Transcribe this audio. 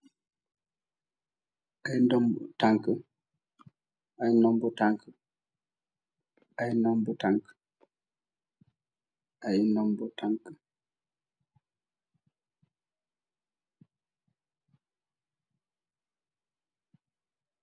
Ay numbu tanka ay numbu tanka ay numbu tanka ay numbu tanka.